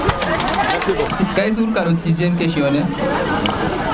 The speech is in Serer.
merci beaucoup ga i suur ka na 6eme question ne